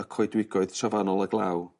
y coedwigoedd trofannol y glaw.